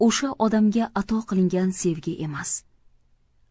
o'sha odamga ato qilingan sevgi emas